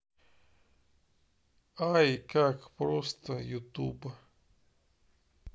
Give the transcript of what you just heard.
ай как просто ютуб